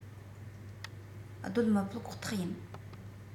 སྡོད མི ཕོད ཁོག ཐག ཡིན